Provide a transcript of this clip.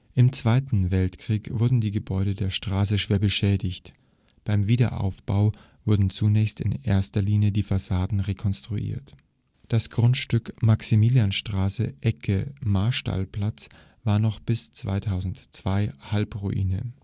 Im Zweiten Weltkrieg wurden die Gebäude der Straße schwer beschädigt, beim Wiederaufbau wurden zunächst in erster Linie die Fassaden rekonstruiert. Das Grundstück Maximilianstraße/Ecke Marstallplatz war noch bis 2002 Halbruine